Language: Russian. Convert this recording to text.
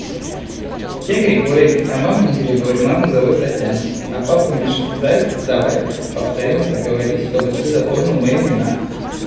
я григорий а мама не григорий маму зовут татьяна а папу миша дай давай повторим это поговорить чтобы ты запомнил мои имена